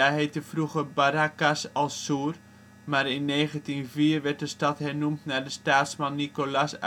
heette vroeger Barracas al Sur, maar in 1904 werd de stad hernoemd naar de staatsman Nicolás